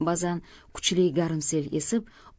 ba'zan kuchli garmsel esib